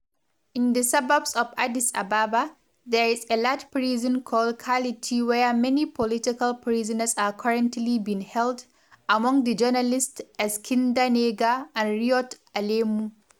In the suburbs of Addis Ababa, there is a large prison called Kality where many political prisoners are currently being held, among them journalists Eskinder Nega and Reeyot Alemu.